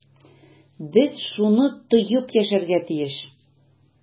Без шуны тоеп яшәргә тиеш.